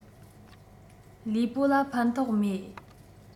ལུས པོ ལ ཕན ཐོགས མེད